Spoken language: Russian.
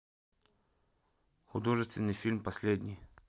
художественный фильм последний